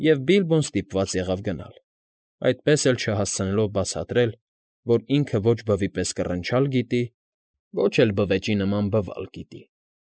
Եվ Բիլբոն ստիպված եղավ գնալ, այդպես էլ չհասցնելով բացատրել, որ ինքը ոչ բվի պես կռնչալ գիտի, ոչ էլ բվեճի նման բվալ կարող է։